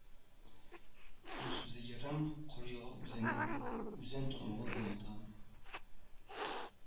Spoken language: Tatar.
Күл сүзе ерым, коры елга үзәне, үзән тармагын аңлата